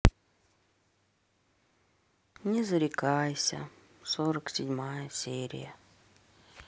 не зарекайся сорок седьмая серия